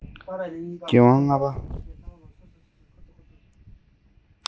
རྒྱལ དབང ལྔ པ